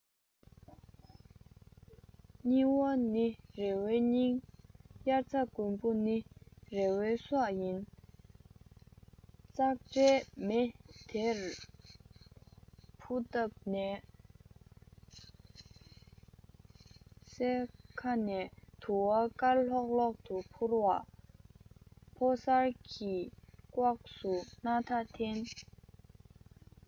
སྙི བ ནི རི བོའི སྙིང དབྱར རྩྭ དགུན འབུ ནི རི བོའི སྲོག ཡིན ཙག སྒྲའི མེ དེར ཕུ བཏབ ནས བསད ཁ ནས དུ བ དཀར ལྷོག ལྷོག ཏུ འཕྱུར བ ཕོ གསར གྱི སྐབས སུ སྣ ཐ འཐེན